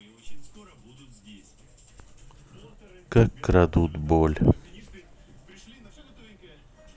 как крадут боль